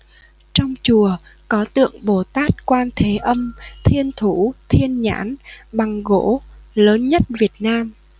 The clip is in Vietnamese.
trong chùa có tượng bồ tát quan thế âm thiên thủ thiên nhãn bằng gỗ lớn nhất việt nam